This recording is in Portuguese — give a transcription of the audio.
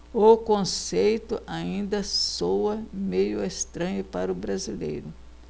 o conceito ainda soa meio estranho para o brasileiro